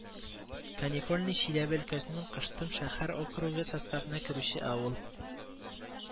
Канифольный Чиләбе өлкәсенең Кыштым шәһәр округы составына керүче авыл